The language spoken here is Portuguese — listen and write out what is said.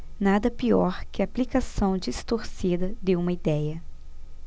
nada pior que a aplicação distorcida de uma idéia